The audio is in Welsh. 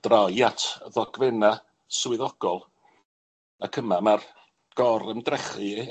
Droi at y ddogfenna' swyddogol, ac yma ma'r gor-ymdrechu